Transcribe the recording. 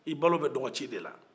i balo bɛ dɔgɔci de la